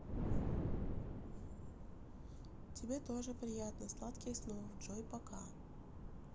тебе тоже приятно сладких снов джой пока